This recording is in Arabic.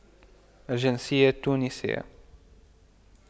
الجنسية التونسية